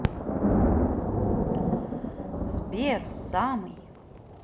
сбер самый